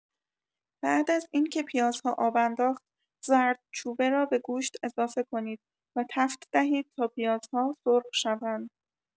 بعد از اینکه پیازها آب انداخت زردچوبه را به گوشت اضافه کنید و تفت دهید تا پیازها سرخ شوند.